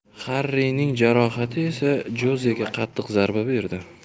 harrining jarohati esa jozega qattiq zarba berdi